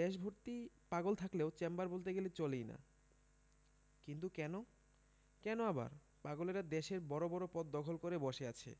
দেশভর্তি পাগল থাকলেও চেম্বার বলতে গেলে চলেই না কিন্তু কেন কেন আবার পাগলেরা দেশের বড় বড় পদ দখল করে বসে আছে